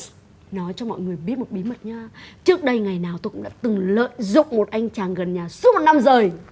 nói cho mọi người biết một bí mật nha trước đây ngày nào tôi cũng đã từng lợi dụng một anh chàng gần nhà suốt một năm giời